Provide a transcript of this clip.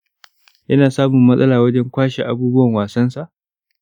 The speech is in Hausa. yana samun matsala wajen kwashe abubuwan wasansa